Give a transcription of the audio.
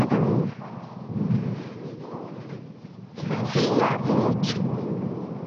Ag yn ... Ifanc? ...ddi-ofid.